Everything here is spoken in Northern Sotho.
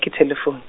ke thelefoune.